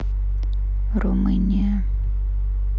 румыния